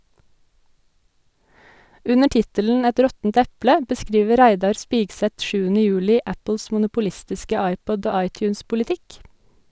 Under tittelen «Et råttent eple» beskriver Reidar Spigseth 7. juli Apples monopolistiske iPod- og iTunes-politikk.